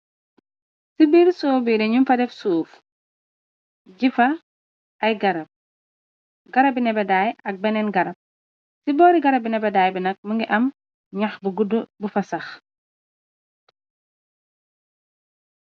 Ci biir siwo bi ñing fa def suuf jifa ay garab, garabi nebeday ak benen garab. Ci boori garabi nebeday bi nag mugii am ñax bu guddu bu fa sax